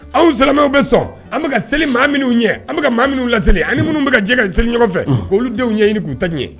Anw silamɛw bɛ sɔn an bɛka ka seli maa minnuu ɲɛ an bɛka ka maa minnuu laseseli ani minnu bɛ ka jɛ ka seli ɲɔgɔn fɛ olu olu denw ɲɛɲini k'u ta ɲɛ